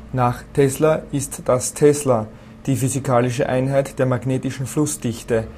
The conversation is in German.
Nach Tesla ist das Tesla, die physikalische Einheit der magnetischen Flussdichte